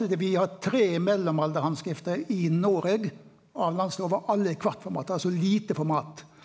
det vi har tre mellomalderhandskrift i Noreg av landslova, alle i kvart format, altså lite format.